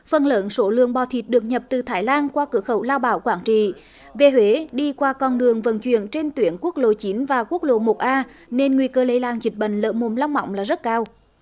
phần lớn số lượng bò thịt được nhập từ thái lan qua cửa khẩu lao bảo quảng trị về huế đi qua con đường vận chuyển trên tuyến quốc lộ chín và quốc lộ một a nên nguy cơ lây lan dịch bệnh lở mồm long móng là rất cao